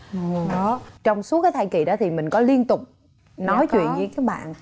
đó trong suốt cái thai kỳ đó thì mình có liên tục nói chuyện với các bạn